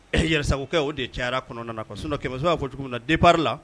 Ɛ yɛrɛsakɛ o de cayara kɔnɔna so ko cogo na denbari la